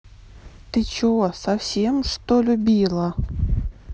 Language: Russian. ты че совсем что любила